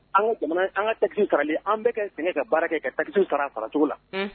An an ka taki saralen an bɛ kɛ sɛgɛn ka baara kɛ ka taki sara fara cogo la